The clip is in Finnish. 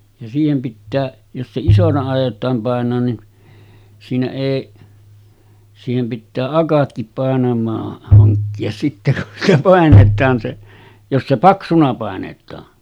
ja siihen pitää jos se isona aiotaan painaa niin siinä ei siihen pitää akatkin painamaan hankkia sitten kun sitä painetaan se jos se paksuna painetaan